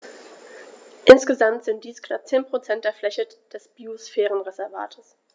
Insgesamt sind dies knapp 10 % der Fläche des Biosphärenreservates.